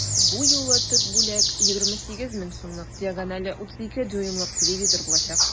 Бу юлы төп бүләк 28 мең сумлык диагонале 32 дюймлык телевизор булачак.